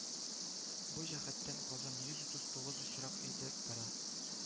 Бу җәһәттән Казан йөз утыз тугыз очрак әйдәп бара